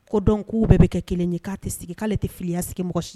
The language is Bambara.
Ko donc k'u bɛɛ be kɛ 1 ye k'a te sigi k'ale te filiya sigi mɔgɔ si